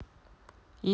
идея